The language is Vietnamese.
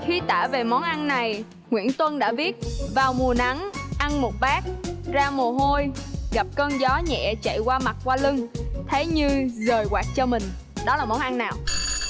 khi tả về món ăn này nguyễn tuân đã viết vào mùa nắng ăn một bát ra mồ hôi gặp cơn gió nhẹ chạy qua mặt qua lưng thấy như giời quạt cho mình đó là món ăn nào